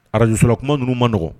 Arazsola kuma ninnuu manɔgɔn